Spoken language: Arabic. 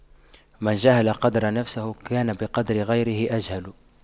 من جهل قدر نفسه كان بقدر غيره أجهل